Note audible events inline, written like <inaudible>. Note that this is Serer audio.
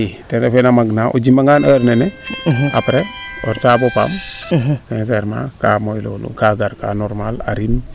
i ten ref weena mag na <music> o jima ngaan heure nene apres o reta bo paam sincerement kaa moy lolu kaa gar ka normale a rim